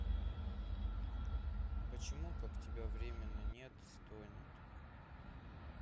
почему как тебя временно нет стонет